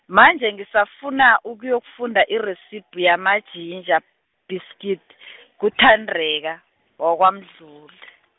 manje ngisafuna ukuyokufunda iresiphi yamajinja, bhasketi, kuThandeka, waKwaMdlul- .